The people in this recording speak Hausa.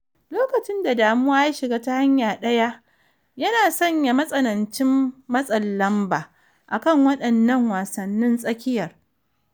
Lokacin da damuwa ya shiga ta hanya ɗaya, yana sanya matsanancin matsa lamba a kan waɗannan wassanin tsakiyar.